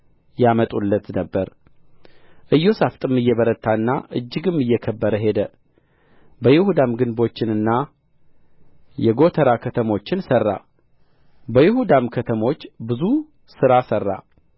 ያመጡለት ነበር ኢዮሳፍጥም እየበረታና እጅግም እየከበረ ሄደ በይሁዳም ግንቦችንና የጎተራ ከተሞችን ሠራ በይሁዳም ከተሞች ብዙ ሥራ ሠራ